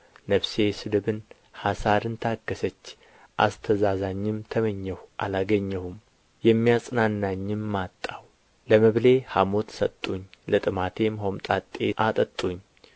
ነፍሴ ስድብንና ኃሣርን ታገሠች አስተዛዛኝም ተመኘሁ አላገኘሁም የሚያጽናናኝም አጣሁ ለመብሌ ሐሞት ሰጡኝ ለጥማቴም ሆምጣጤ አጠጡኝ